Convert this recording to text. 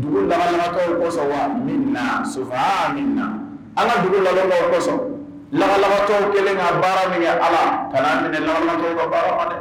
dugukaw kosɔ min sufa min ala dugu lasɔn lalatɔ kelen ka baara min kɛ ala ka' minɛtɔ baara dɛ